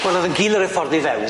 Wel o'dd o'n gul ar y ffordd i fewn...